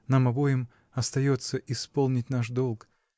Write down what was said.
Нам обоим остается исполнить наш долг.